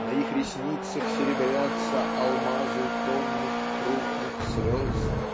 На их ресницах серебрятся Алмазы томных крупных слез.